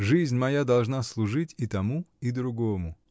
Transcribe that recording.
Жизнь моя должна служить и тому и другому.